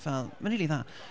Fel, mae'n rili dda.